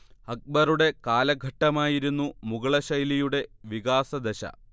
അക്ബറുടെ കാലഘട്ടമായിരുന്നു മുഗളശൈലിയുടെ വികാസദശ